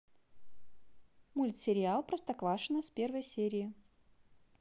мультсериал простоквашино с первой серии